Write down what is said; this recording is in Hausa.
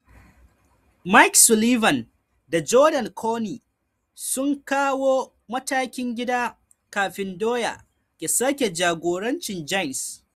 Mike Sullivan da Jordan Cownie sun kawo matakin gida kafin Dwyer ya sake jagorancin Giants.